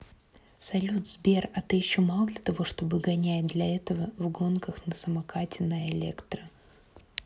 салют сбер а ты еще мал для того чтобы чтобы гонять для этого в гонках на самокате на электро